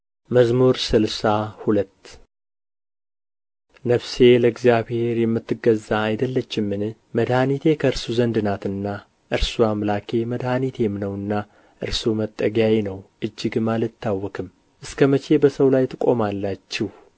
መዝሙር ስልሳ ሁለት ነፍሴ ለእግዚአብሔር የምትገዛ አይደለችምን መድኃኒቴ ከእርሱ ዘንድ ናትና እርሱ አምላኬ መድኃኒቴም ነውና እርሱ መጠጊያዬ ነው እጅግም አልታወክም እስከ መቼ በሰው ላይ ትቆማላችሁ